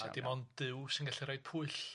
A dim ond Duw sy'n gallu rhoi pwyll.